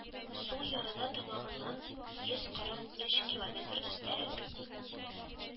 Сул ярына тамагыннан йөз кырык өч километр өстәрәк